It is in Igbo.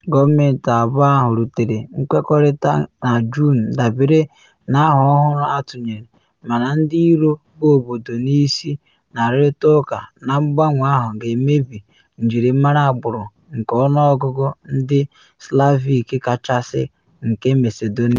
Gọọmentị abụọ ahụ rutere nkwekọrịta na Juun dabere na aha ọhụrụ atụnyere, mana ndị iro bụ obodo n’isi na arụrịta ụka na mgbanwe ahụ ga-emebi njirimara agbụrụ nke ọnụọgụgụ ndị Slavic kachasị nke Macedonia.